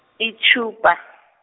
itšhupa .